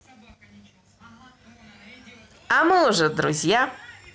а мы уже друзья